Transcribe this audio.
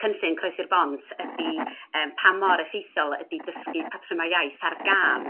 cynllun Croesi'r Bont ydi yym pa mor effeithiol ydi dysgu patrymau iaith ar gân